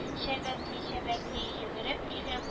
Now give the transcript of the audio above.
Чәбәкли-чәбәкли йөгереп килеп